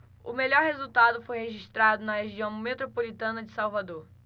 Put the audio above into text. o melhor resultado foi registrado na região metropolitana de salvador